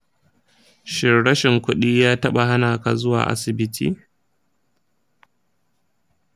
shin rashin kuɗi ya taɓa hana ka zuwa asibiti?